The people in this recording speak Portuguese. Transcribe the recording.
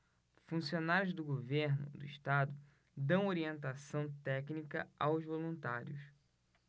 funcionários do governo do estado dão orientação técnica aos voluntários